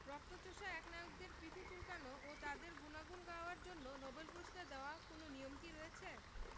রক্তচোষা একনায়কদের পিঠ চুলকানো ও তাঁদের গুণগান গাওয়ার জন্য নোবেল পুরস্কার দেওয়ার কোনো নিয়ম কি রয়েছে